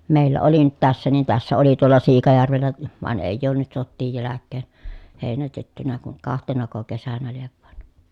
meillä oli nyt tässä niin tässä oli tuolla Siikajärvellä vaan ei ole nyt sotien jälkeen heinätetty kuin kahtenako kesänä lie vain